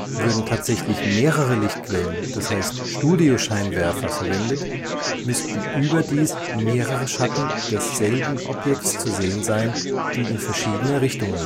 Würden tatsächlich mehrere Lichtquellen – das heißt Studioscheinwerfer – verwendet, müssten überdies mehrere Schatten desselben Objekts zu sehen sein, die in verschiedene Richtungen